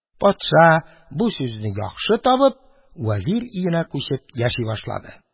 Патша, бу сүзне яхшы табып, вәзир өенә күчеп яши башлады.